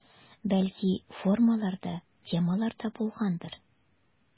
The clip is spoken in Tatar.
Бәлки формалар да, темалар да булгандыр.